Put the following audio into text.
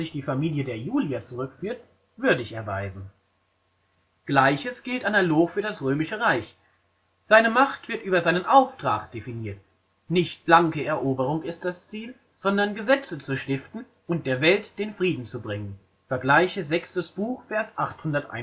die Familie der Julier zurückführt) würdig erweisen. Gleiches gilt analog für das Römische Reich: Seine Macht wird über seinen Auftrag definiert; nicht blanke Eroberung ist das Ziel, sondern Gesetze zu stiften und der Welt den Frieden zu bringen (vgl. VI 851